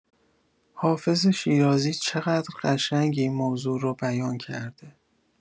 حافظ شیرازی چقدر قشنگ این موضوع رو بیان کرده.